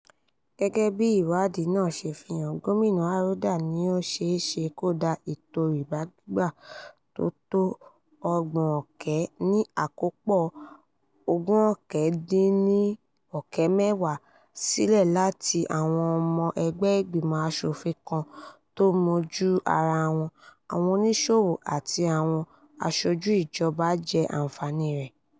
Gẹ́gẹ́ bí ìwádìí náà ṣe fi hàn, Gómìnà Arruda ni ó ṣeé ṣe kó da ètò rìbá gbígbà tó tó R$ 600,000 (ní àkópọ̀ $340,000) sílẹ̀ tí àwọn ọmọ ẹgbẹ́ ìgbìmọ̀ aṣòfin kan tó mojú ara wọn, àwọn oníṣòwò àti àwọn aṣojú ìjọba jẹ aǹfààní rẹ̀.